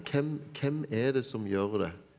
hvem hvem er det som gjør det?